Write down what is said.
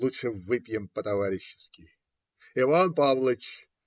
Лучше выпьем по-товарищески. Иван Павлыч!